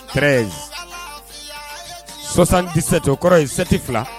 Ke sɔsan kisɛtokɔrɔ insɛti fila